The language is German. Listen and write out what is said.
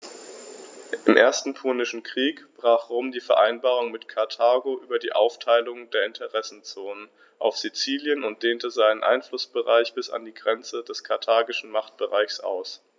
Im Ersten Punischen Krieg brach Rom die Vereinbarung mit Karthago über die Aufteilung der Interessenzonen auf Sizilien und dehnte seinen Einflussbereich bis an die Grenze des karthagischen Machtbereichs aus.